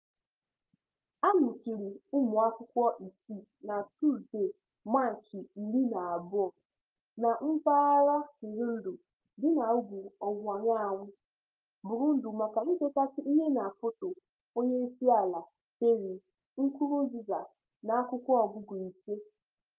Ha nwụchiri ụmụakwụkwọ isii na Tuzdee, Maachị 12, na mpaghara Kirundo dị na ugwu ọwụwaanyanwụ Burundi maka idekasị ihe na foto Onyeisiala Pierre Nkurunziza n'akwụkwọ ọgụgụ ise.